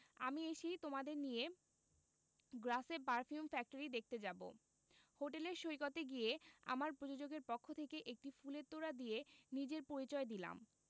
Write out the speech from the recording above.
আমি এসেই তোমাদের নিয়ে গ্রাসে পারফিউম ফ্যাক্টরি দেখতে যাবো হোটেলের সৈকতে গিয়ে আমার প্রযোজকের পক্ষ থেকে একটি ফুলের তোড়া দিয়ে নিজের পরিচয় দিলাম